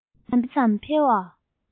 ད ལྟར ཇི ཙམ འཕེལ བའི